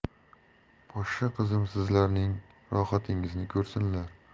poshsha qizim sizlarning rohatingizni ko'rsinlar